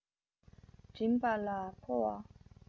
མགྲིན པ ལ ཕོ བ